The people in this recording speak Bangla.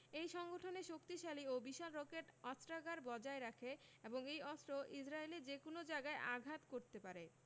এই সংগঠনের শক্তিশালী ও বিশাল রকেট অস্ত্রাগার বজায় রাখে এবং এই অস্ত্র ইসরায়েলে যেকোনো জায়গায় আঘাত করতে পারে